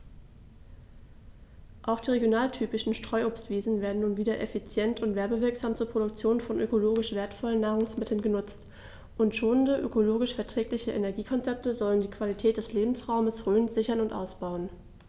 Auch die regionaltypischen Streuobstwiesen werden nun wieder effizient und werbewirksam zur Produktion von ökologisch wertvollen Nahrungsmitteln genutzt, und schonende, ökologisch verträgliche Energiekonzepte sollen die Qualität des Lebensraumes Rhön sichern und ausbauen.